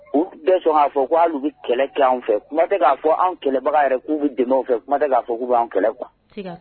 U dɛsɛ sɔn k'a fɔ k' bɛ kɛlɛ kɛ fɛ kuma tɛ k'a fɔ an kɛlɛbaga yɛrɛ k'u bɛ dɛmɛ fɛ kuma k'a k'u bɛ'an kɛlɛ kuwa